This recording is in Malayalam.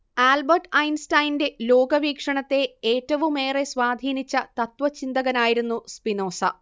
ആൽബർട്ട് ഐൻസ്റ്റൈന്റെ ലോകവീക്ഷണത്തെ ഏറ്റവുമേറെ സ്വാധീനിച്ച തത്ത്വചിന്തകനായിരുന്നു സ്പിനോസ